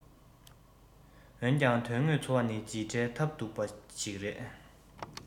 འོན ཀྱང དོན དངོས འཚོ བ ནི ཇི འདྲའི ཐབས སྡུག པ ཞིག རེད